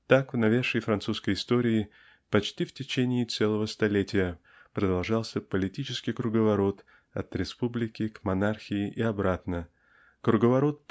Так в новейшей французской истории почти в течение целого столетия продолжался политический круговорот от республики к монархии и обратно круговорот